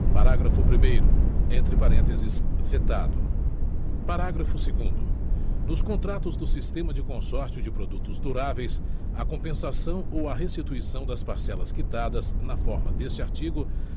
parágrafo primeiro entre parênteses vetado parágrafo segundo nos contratos do sistema de consórcio de produtos duráveis a compensação ou a restituição das parcelas quitadas na forma deste artigo